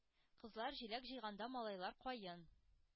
Кызлар җиләк җыйганда, малайлар каен,